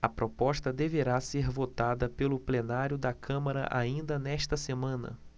a proposta deverá ser votada pelo plenário da câmara ainda nesta semana